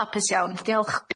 Hapus iawn, diolch.